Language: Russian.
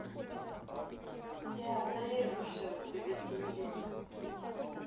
я зарежу все тебе семью